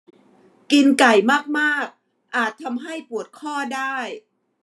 กินไก่มากมากอาจทำให้ปวดข้อได้